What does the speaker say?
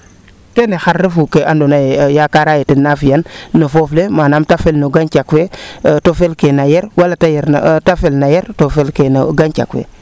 keene xar refu kee ando naye yaakara yee tena fiyan no foof le maanam te fel no gancax fee to fel ke na yer wala te fel no yer to felkee no gaxcax fee